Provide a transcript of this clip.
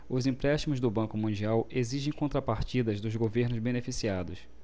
os empréstimos do banco mundial exigem contrapartidas dos governos beneficiados